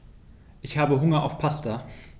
Ich habe Hunger auf Pasta.